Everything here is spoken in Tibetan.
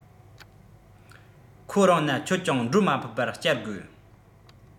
ཁོ རང ན ཁྱོད ཀྱང འགྲོ མ ཕོད པར བསྐྱལ དགོས